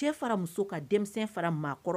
Cɛ fara muso ka denmisɛn fara maa kɔrɔ